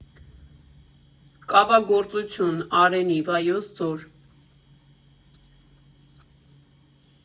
Կավագործություն, Արենի, Վայոց Ձոր։